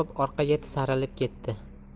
orqaga tisarilib ketdi